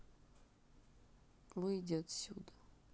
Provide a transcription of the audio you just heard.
выйди отсюда